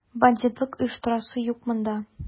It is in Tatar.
Бандитлык оештырасы юк монда!